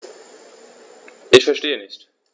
Ich verstehe nicht.